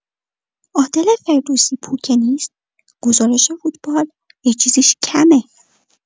عادل فردوسی‌پور که نیست، گزارش فوتبال یه چیزیش کمه.